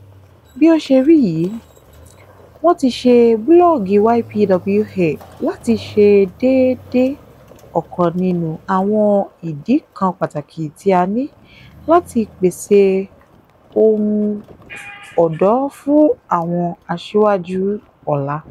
Bí ó ṣe rí yìí, wọ́n ti ṣe búlọ́ọ̀gù YPWA láti ṣe déédéé ọ̀kan nínú àwọn ìdí kan pàtàkì tí a ní: láti pèsè "ohùn ọ̀dọ́" fún àwọn asíwájú ọ̀la.